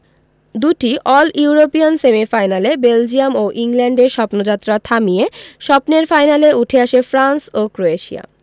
দুটি all European সেমিফাইনালে Belgium ও ইংল্যান্ডের স্বপ্নযাত্রা থামিয়ে স্বপ্নের ফাইনালে উঠে আসে ফ্রান্স ও ক্রোয়েশিয়া